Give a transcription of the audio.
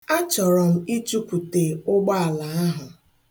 Achọrọ m ichukwute ụgbọala ahụ.